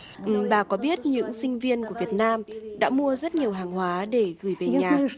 bà có biết những sinh viên của việt nam đã mua rất nhiều hàng hóa để gửi về nhà